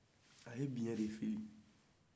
a ye biɲɛ de fili